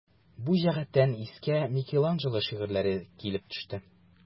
Бу җәһәттән искә Микеланджело шигырьләре килеп төште.